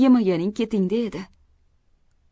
yemaganing ketingda edi